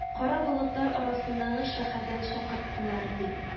Кара болытлар арасындагы шәһәрдән чакырттылар, ди